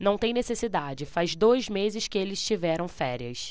não tem necessidade faz dois meses que eles tiveram férias